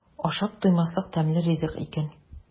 Ашап туймаслык тәмле ризык икән.